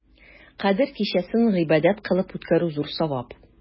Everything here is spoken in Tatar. Кадер кичәсен гыйбадәт кылып үткәрү зур савап.